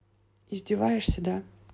издеваешься да